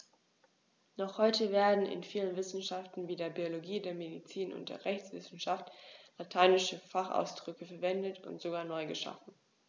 Noch heute werden in vielen Wissenschaften wie der Biologie, der Medizin und der Rechtswissenschaft lateinische Fachausdrücke verwendet und sogar neu geschaffen.